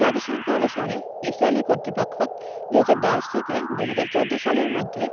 জাতিসংঘ অনুসারে ইসরাইলি কর্তৃপক্ষ ২০১০ থেকে ২০১৪ সালের মধ্যে